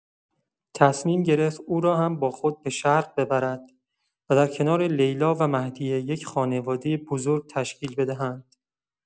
تصمیم گرفت او را هم با خود به شرق ببرد و در کنار لیلا و مهدیه یک خانواده بزرگ تشکیل بدهند.